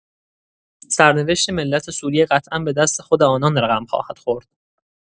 سرنوشت ملت سوریه قطعا به دست خود آنان رقم خواهد خورد.